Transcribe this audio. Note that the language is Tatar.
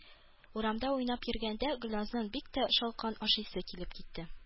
Урамда уйнап йөргәндә Гөльназның бик тә шалкан ашыйсы килеп китте